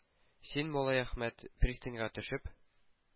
Син, Муллаәхмәт, пристаньга төшеп,